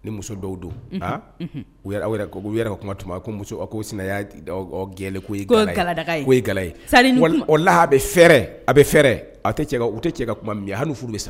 Ni muso dɔw don aa yɛrɛ kuma tuma ko ko sina gɛlɛ ko ko sa laha a bɛ fɛɛrɛ a bɛ fɛɛrɛ tɛ cɛ ka kuma min hali furu bɛ sa